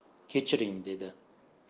keching dedi